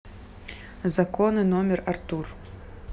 законы номер артур